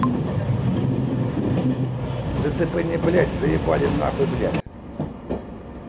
дтп не блядь заебали нахуй блядь